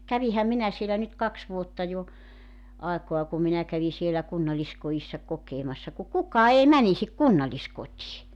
kävinhän minä siellä nyt kaksi vuotta jo aikaa kun minä kävin siellä kunnalliskodissa kokemassa kun kukaan ei menisi kunnalliskotiin